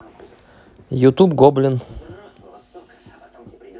ютуб гоблин